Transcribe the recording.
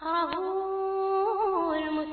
Faamamu